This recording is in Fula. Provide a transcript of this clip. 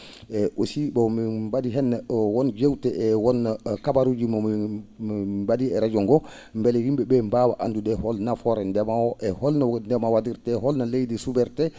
e aussi bon min mba?i heen won jeewte e won kabaruuji momi mo min mba?i e radio ngoo mbele yim?e ?ee mbaawa anndude hol nafoore ndema oo e holno ndema wa?irtee holno leydi su?irtee